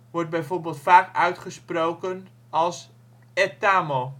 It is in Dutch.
wordt bijvoorbeeld vaak uitgesproken als e'tamo